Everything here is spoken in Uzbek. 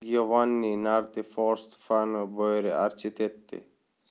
giovanni nardi for stefano boeri architetti